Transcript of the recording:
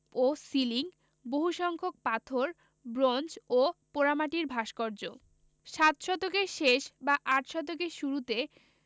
ও ceiling বহু সংখ্যক পাথর ব্রোঞ্জ ও পোড়ামাটির ভাস্কর্য সাত শতকের শেষ বা আট শতকের শুরুতে